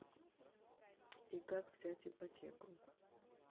и как взять ипотеку